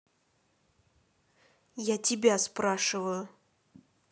я тебя спрашиваю